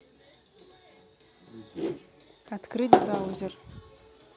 открыть браузер